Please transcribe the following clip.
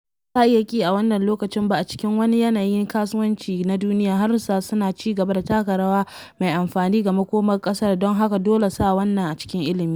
Ba za a iya ki a wannan lokacin ba, a cikin wani yanayin kasuwanci na duniya, harsuna suna ci gaba taka rawa mai amfani ga makomar kasar, don haka dole sa wannan a cikin ilmi.